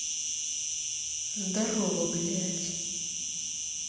здорово блядь